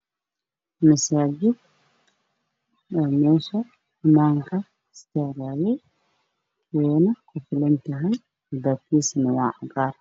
Masaajid ayaa meeshaan ku yaalla wuu qof fuliyay albaabkiisana waa caddaan